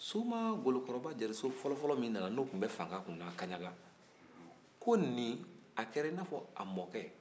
soma ngolo kɔrɔba jariso fɔlɔ-fɔlɔ min nana n'o tun bɛ fanga kunna kaɲaga ko nin a kɛra i n'a fɔ a mɔkɛ